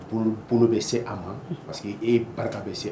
Bolo be se a ma parceque e barika be se